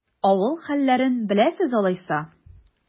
Авыл хәлләрен беләсез алайса?